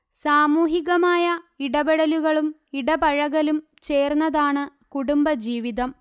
സാമൂഹികമായ ഇടപെടലുകളും ഇടപഴകലും ചേർന്നതാണ് കുടുംബജീവിതം